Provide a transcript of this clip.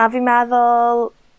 a fi'n meddwl